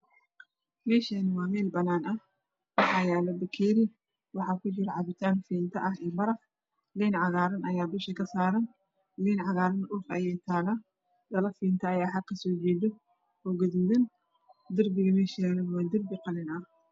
Meshan waa mel banan ah waxayalo bakeri waxa kujiro cabitan Finto iyo baraf liin cagaran aya dusha kasaran lin cagaran dhulka aye tala dhalo finto aya xaka kasojedo darbiga waa galin